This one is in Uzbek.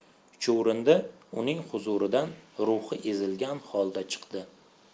chuvrindi uning huzuridan ruhi ezilgan holda chiqdi